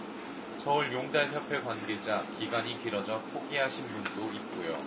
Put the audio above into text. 서울용달협회 관계자 기간이 길어서 포기하신 분도 있고요